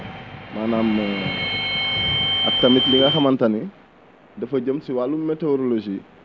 maanaam ak tamit li nga xamante ni dafa jëm si wàllum météorologie